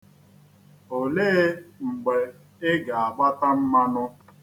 Kedụ mgbe ị ga-agbata mmanụ?